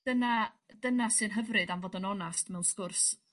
...dyna dyna sydd hyfryd am fod yn onast mewn sgwrs.